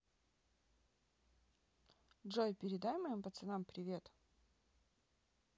джой передай моим пацанам привет